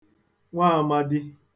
nwaāmādī